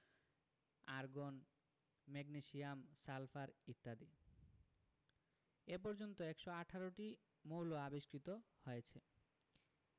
argon magnesium sulphur ইত্যাদি এ পর্যন্ত ১১৮টি মৌল আবিষ্কৃত হয়েছে